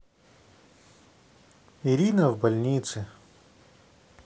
ирина в больнице